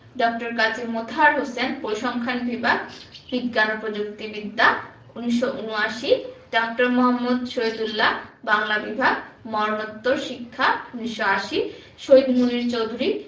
ড. কাজী মোতাহার হোসেন পরিসংখ্যান বিভাগ বিজ্ঞান ও প্রযুক্তি বিদ্যা ১৯৭৯ ড. মুহম্মদ শহীদুল্লাহ বাংলা বিভাগ মরণোত্তর শিক্ষা ১৯৮০ শহীদ মুনীর চৌধুরী